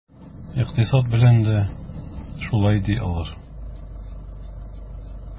Икътисад белән дә шулай, ди алар.